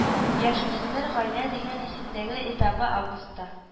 Яшүсмер-гаилә дигән исемдәге этабы августта